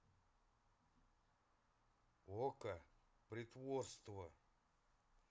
okko притворство